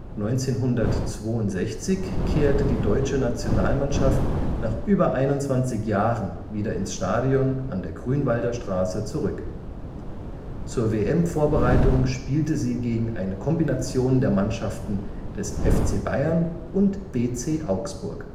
1962 kehrte die deutsche Nationalmannschaft nach über 21 Jahren wieder ins Stadion an der Grünwalder Straße zurück. Zur WM-Vorbereitung spielte sie gegen eine Kombination der Mannschaften des FC Bayern und BC Augsburg